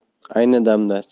ayni damda cheklangan